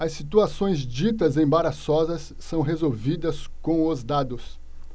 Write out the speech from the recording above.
as situações ditas embaraçosas são resolvidas com os dados